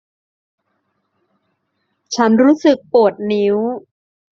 ฉันรู้สึกปวดนิ้ว